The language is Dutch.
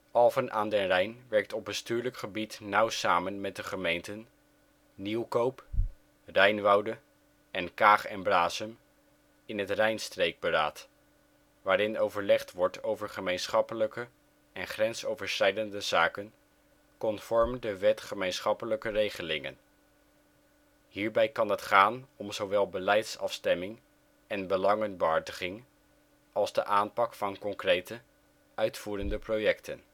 Alphen aan den Rijn werkt op bestuurlijk gebied nauw samen met de gemeenten Nieuwkoop, Rijnwoude en Kaag en Braassem in het Rijnstreekberaad, waarin overlegd wordt over gemeenschappelijke en grensoverschrijdende zaken conform de Wet gemeenschappelijke regelingen. Hierbij kan het gaan om zowel beleidsafstemming en belangenbehartiging als de aanpak van concrete, uitvoerende projecten